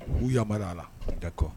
U b'u yamaruya a la da kɔ